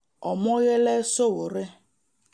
Omoyole Sowore